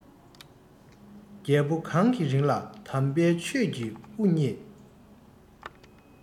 རྒྱལ པོ གང གི རིང ལ དམ པའི ཆོས ཀྱི དབུ བརྙེས